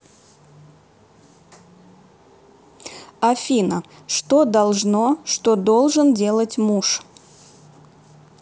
афина что должно что должен делать муж